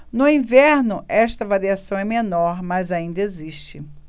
no inverno esta variação é menor mas ainda existe